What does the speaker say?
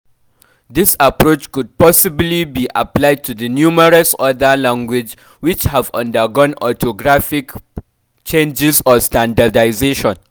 This approach could possibly be applied to the numerous other languages which have undergone orthographic changes or standardization.